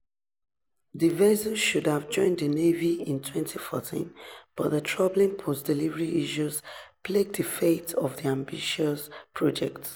The vessel should have joined the Navy in 2014, but the troubling post-delivery issues plagued the fate of the ambitious project.